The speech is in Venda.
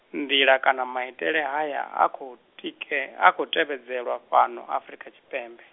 nḓila kana maitele haya a khou, ti ke a khou tevhedzelwa fhano, Afurika Tshipembe.